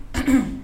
Un unn